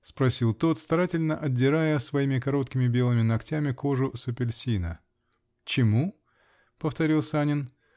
-- спросил тот, старательно отдирая своими короткими белыми ногтями кожу с апельсина. -- Чему? -- повторил Санин.